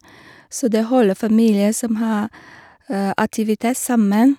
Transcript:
Så det holder familier som har aktivitet, sammen.